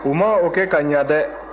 u ma o kɛ ka ɲɛ de